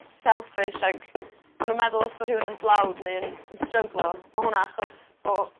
selfish ag ma' nw'n meddwl os ma' rhywun yn dlawd ne'n yn stryglo ma hwnna achos o